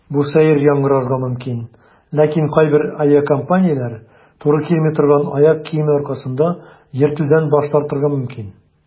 Бу сәер яңгырарга мөмкин, ләкин кайбер авиакомпанияләр туры килми торган аяк киеме аркасында йөртүдән баш тартырга мөмкин.